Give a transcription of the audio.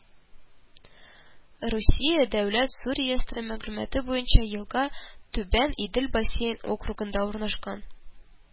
Русия дәүләт су реестры мәгълүматы буенча елга Түбән Идел бассейн округында урнашкан